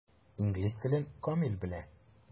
Инглиз телен камил белә.